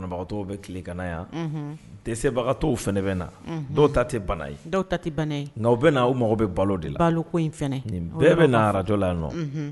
Bagatɔ bɛ tile ka yan desebagatɔ bɛ na dɔw ta tɛ bana ye dɔw ta tɛ bana nka bɛ na o mago bɛ balo de balo ko in bɛɛ bɛ na araj la nɔ